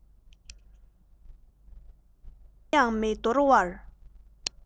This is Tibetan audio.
ནམ ཡང མི འདོར བར